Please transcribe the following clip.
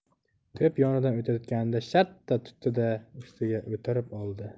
to'p yonidan o'tayotganida shartta tutdi da ustiga o'tirib oldi